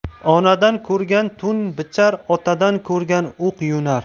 onadan ko'rgan to'n bichar otadan ko'rgan o'q yo'nar